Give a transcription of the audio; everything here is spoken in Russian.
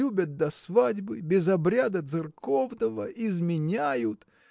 любят до свадьбы, без обряда церковного изменяют.